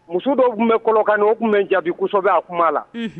Muso dɔw tun be kolokani o tun be n jaabi kosɛbɛ a kuma la unhun